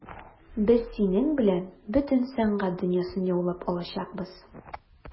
Без синең белән бөтен сәнгать дөньясын яулап алачакбыз.